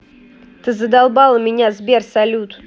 ты задолбала меня сбер салют